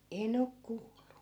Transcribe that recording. en ole kuullut